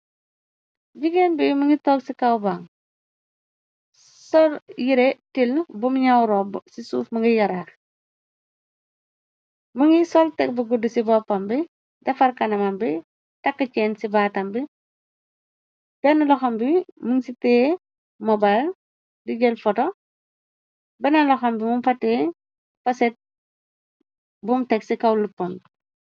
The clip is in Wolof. Jigeen biy mi ngi tog ci kaw baŋg, sol yire til bum ñaw ropb ci suuf mi nga yaraax. Mu ngi sol teg bi gudd ci boppam bi, defar kanamam bi , takk cenn ci baatam bi , benn loxam bi mëng ci tee mobail li jel foto, bena loxam bi mum fatee paset bumu teg ci kaw luppombi.